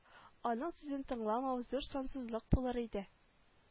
Аның сүзен тыңламау зур сансызлык булыр иде